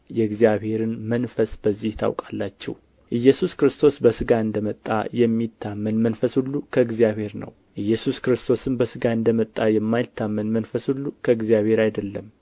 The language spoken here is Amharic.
የእግዚአብሔርን መንፈስ በዚህ ታውቃላችሁ ኢየሱስ ክርስቶስ በሥጋ እንደ መጣ የሚታመን መንፈስ ሁሉ ከእግዚአብሔር ነው ኢየሱስ ክርስቶስም በሥጋ እንደ መጣ የማይታመን መንፈስ ሁሉ ከእግዚአብሔር አይደለም